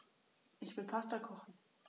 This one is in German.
Ich will Pasta kochen.